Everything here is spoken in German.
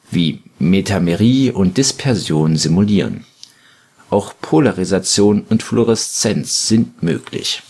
wie Metamerie und Dispersion simulieren. Auch Polarisation und Fluoreszenz sind möglich